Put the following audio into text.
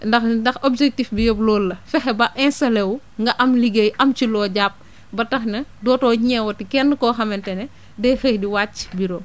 ndax ndax objectif bi yëpp loolu la fexe ba installé wu nga am liggéey am ci loo jàpp ba tax na dootoo ñeewati kenn koo xamanate ne day xëy di wàcc bureau am